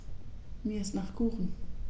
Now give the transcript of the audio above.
Mir ist nach Kuchen.